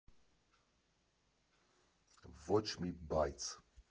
Ոչ մի բայց։